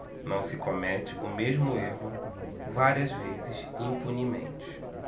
não se comete o mesmo erro várias vezes impunemente